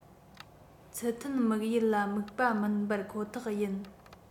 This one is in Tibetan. ཚུལ མཐུན དམིགས ཡུལ ལ དམིགས པ མིན པར ཁོ ཐག ཡིན